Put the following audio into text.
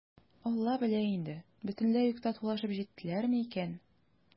«алла белә инде, бөтенләй үк татулашып җиттеләрме икән?»